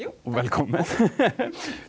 jo .